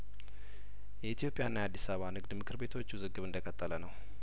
የኢትዮጵያ ና አዲስ አባ ንግድ ምክር ቤቶች ውዝግብ እንደቀጠለነው